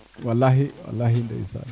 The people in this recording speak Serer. walaxi walaxi ndeysaan